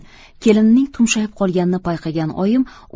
kelinining tumshayib qolganini payqagan oyim